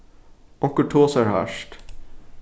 onkur tosar hart